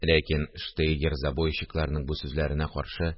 Ләкин штейгер забойщикларның бу сүзләренә каршы